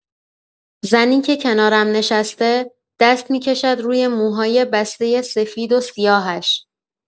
زنی که کنارم نشسته، دست می‌کشد روی موهای بستۀ سفیدوسیاهش.